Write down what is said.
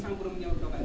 sama borom ñëw ak dogalam